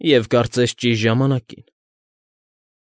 Եվ, կարծես, ճիշտ ժամանակին։